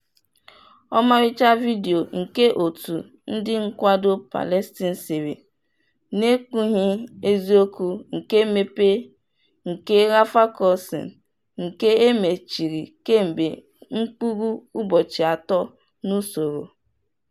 Ọmarịcha vidiyo nke òtù ndị nkwado Palestine sere na-ekpughe eziokwu nke mmepe nke Rafah Crossing, nke e mechiri kemgbe mkpụrụ ụbọchị atọ n'usoro.